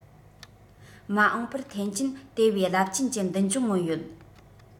མ འོངས པར ཐེན ཅིན དེ བས རླབས ཆེན གྱི མདུན ལྗོངས མངོན ཡོད